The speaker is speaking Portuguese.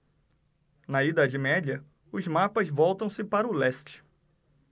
na idade média os mapas voltam-se para o leste